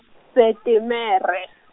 Setemere .